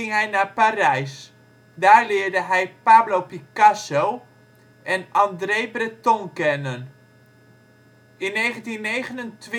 hij naar Parijs. Daar leerde hij Pablo Picasso en André Breton kennen. In 1929